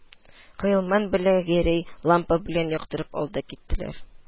Гыйльман белән Гәрәй, лампа белән яктыртып, алдан киттеләр